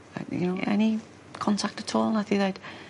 a you know any contact at all? nath 'i ddeud